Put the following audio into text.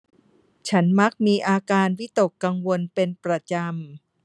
ฉันมักมีอาการวิตกกังวลเป็นประจำ